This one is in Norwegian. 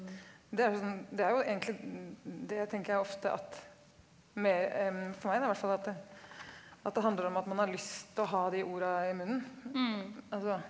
det er jo sånn det er jo egentlig det tenker jeg ofte at mer for meg da hvert fall at at det handler om at man har lyst til å ha de orda i munnen altså.